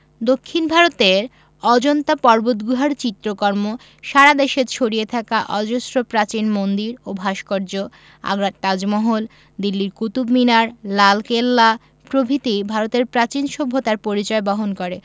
দক্ষিন ভারতে অজন্তা পর্বতগুহার চিত্রকর্ম সারা দেশে ছড়িয়ে থাকা অজস্র প্রাচীন মন্দির ও ভাস্কর্য আগ্রার তাজমহল দিল্লির কুতুব মিনার লালকেল্লা প্রভৃতি ভারতের প্রাচীন সভ্যতার পরিচয় বহন করে